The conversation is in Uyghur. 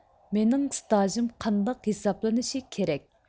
مېنىڭ سىتاژىم قانداق ھېسابلىنىشى كېرەك